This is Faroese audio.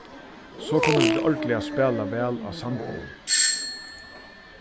so kunnu tit ordiliga spæla væl á sandinum